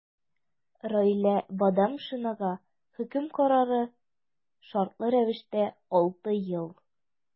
Раилә Бадамшинага хөкем карары – шартлы рәвештә 6 ел.